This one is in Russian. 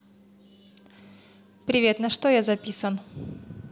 привет на что я записан